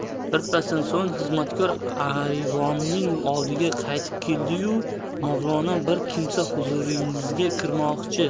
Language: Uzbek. birpasdan so'ng xizmatkor ayvonning oldiga qaytib keldi yu mavlono bir kimsa huzuringizga kirmoqchi